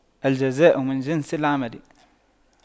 الجزاء من جنس العمل